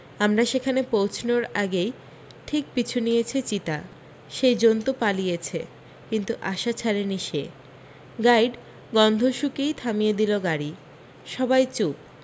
আমরা সেখানে পৌঁছনোর আগেই ঠিক পিছু নিয়েছে চিতা সেই জন্তু পালিয়েছে কিন্তু আশা ছাড়েনি সে গাইড গন্ধ শুঁকেই থামিয়ে দিল গাড়ী সবাই চুপ